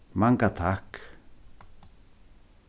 manga takk